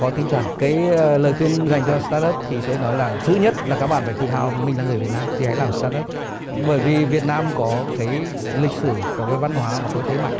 có tinh thần cái lời khuyên dành cho sờ tát ắp thì tôi nói là thứ nhất là các bạn phải tự hào mình là người việt nam thì hãy làm sờ tát ắp cũng bởi vì việt nam có cái lịch sử có với văn hóa và có thế mạnh